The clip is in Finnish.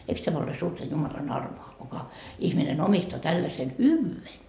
eikös tämä ole suurta Jumalan armoa kuka ihminen omistaa tällaisen hyvyyden